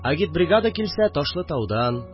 Агитбригада килсә – Ташлытаудан